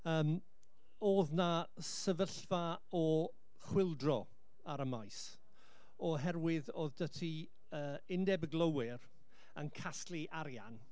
Yym oedd 'na sefyllfa o chwyldro ar y maes, oherwydd oedd 'da ti yy undeb y glowyr yn casglu arian.